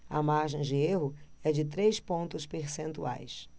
a margem de erro é de três pontos percentuais